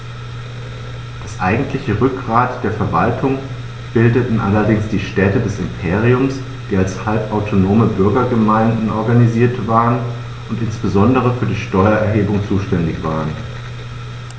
Das eigentliche Rückgrat der Verwaltung bildeten allerdings die Städte des Imperiums, die als halbautonome Bürgergemeinden organisiert waren und insbesondere für die Steuererhebung zuständig waren.